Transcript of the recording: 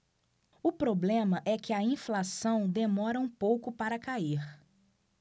o problema é que a inflação demora um pouco para cair